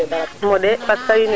merci beaucoup wetana ngam gon le